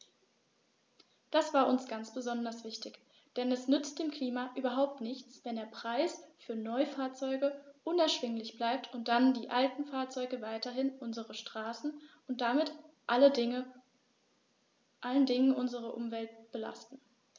Das war uns ganz besonders wichtig, denn es nützt dem Klima überhaupt nichts, wenn der Preis für Neufahrzeuge unerschwinglich bleibt und dann die alten Fahrzeuge weiterhin unsere Straßen und damit vor allen Dingen unsere Umwelt belasten.